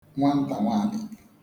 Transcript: Nwanta nwamị